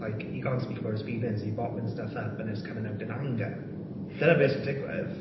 like he can't speak about his feelings, he bottling stuff up, and it's coming out in anger.... It... ...Dyna be sy'n digwydd.